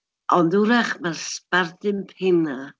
Ond wrach mai'r sbardun pennaf...